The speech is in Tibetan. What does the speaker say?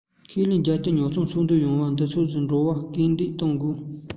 ཁས ལེན རྒྱལ སྤྱིའི ཉོ ཚོང ཕྱོགས འདིར ཡོང བའི འདིའི ཕྱོགས སུ འགྲོ བར སྐུལ འདེད གཏོང དགོས